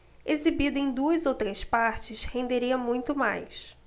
exibida em duas ou três partes renderia muito mais